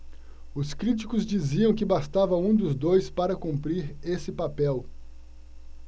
os críticos diziam que bastava um dos dois para cumprir esse papel